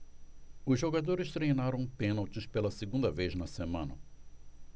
os jogadores treinaram pênaltis pela segunda vez na semana